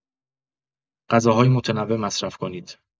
غذاهای متنوع مصرف کنید.